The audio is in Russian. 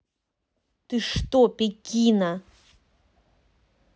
ты что пекина